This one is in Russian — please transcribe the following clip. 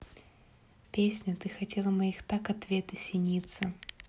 песня ты хотел моих так ответы синица